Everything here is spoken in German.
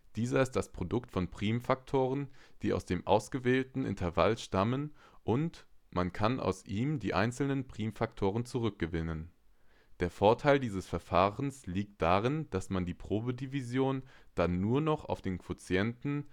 Dieser ist das Produkt von Primfaktoren, die aus dem gewählten Intervall stammen, und man kann aus ihm die einzelnen Primfaktoren zurückgewinnen. Der Vorteil dieses Verfahrens liegt darin, dass man die Probedivision dann nur noch auf den Quotienten